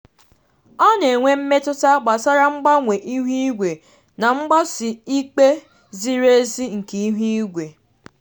Ọ na-enwe mmetụta gbasara mgbanwe ihu igwe na mgbaso ikpe ziri ezi nke ihu igwe.